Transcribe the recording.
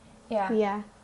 Ie. Ie.